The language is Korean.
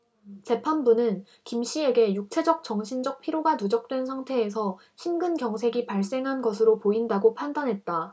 재판부는 김씨에게 육체적 정신적 피로가 누적된 상태에서 심근경색이 발생한 것으로 보인다고 판단했다